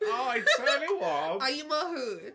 Oh, I tell you what... I'm a hoot.